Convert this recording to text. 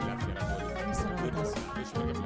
Waunɛ